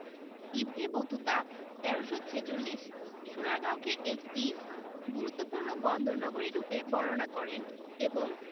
ইবনে Battuta ১৩৪৬ সোনারগাঁওকে একটি গুরুত্বপূর্ণ বন্দর নগরী রূপে বর্ণনা করেন এবং